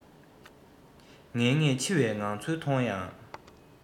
ངེས ངེས འཆི བའི ངང ཚུལ མཐོང ཡང